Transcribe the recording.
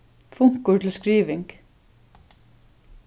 funkur til skriving